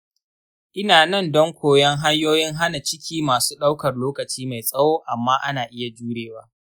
ina nan don koyon hanyoyin hana ciki masu ɗaukar lokaci mai tsawo amma ana iya juyarwa .